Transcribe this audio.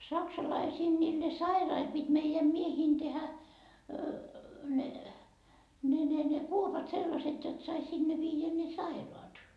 saksalaisten niille sairaille piti meidän miesten tehdä ne ne ne ne kuopat sellaiset jotta sai sinne viedä ne sairaat